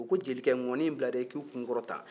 u ko jelikɛ nkɔni in bila dɛ i k'i kun kɔrɔta